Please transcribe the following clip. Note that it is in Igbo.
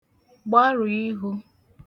gbarụ̀ ihū